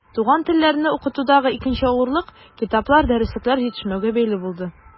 Туган телләрне укытудагы икенче авырлык китаплар, дәреслекләр җитешмәүгә бәйле булды.